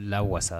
La waa